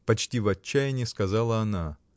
— почти в отчаянии сказала она.